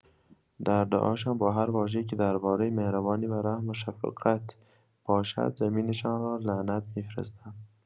در دعاشان با هر واژه‌ای که درباره مهربانی و رحم و شفقت باشد، زمینشان را لعنت می‌فرستند.